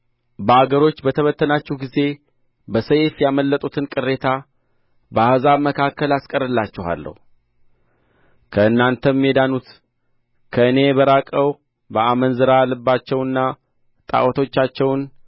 በአገሮች በተበተናችሁ ጊዜ ከሰይፍ ያመለጡትን ቅሬታ በአሕዛብ መካከል አስቀርላችኋለሁ ከእናንተም የዳኑት ከእኔ በራቀው በአመንዝራ ልባቸውና ጣዖቶቻቸውን